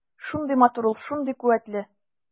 Шундый матур ул, шундый куәтле.